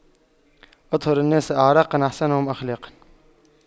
أطهر الناس أعراقاً أحسنهم أخلاقاً